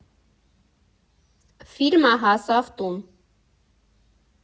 Ֆիլմը հասավ տուն։